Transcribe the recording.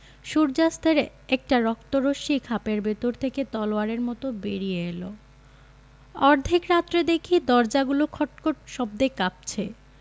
সূর্য্যাস্তের একটা রক্ত রশ্মি খাপের ভেতর থেকে তলোয়ারের মত বেরিয়ে এল অর্ধেক রাত্রে দেখি দরজাগুলো খটখট শব্দে কাঁপছে